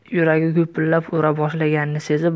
yuragi gupillab ura boshlaganini sezib